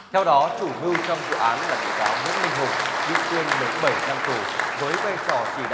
theo đó chủ mưu trong vụ án là bị cáo nguyễn minh hùng bị tuyên mười bảy năm tù với vai trò chỉ